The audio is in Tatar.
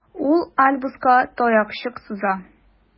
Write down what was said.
Ул Альбуска таякчык суза.